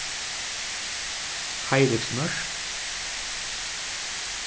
heiðriksmørk